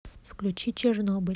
включи чернобыль